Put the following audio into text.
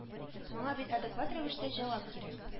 Моңа бит адекват рәвештә җавап кирәк